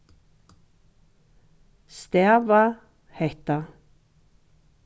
stava hetta